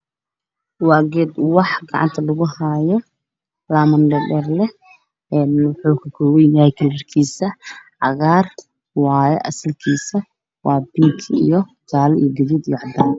Waa gees wax gacanta laku haayo cagaar waaye bingi io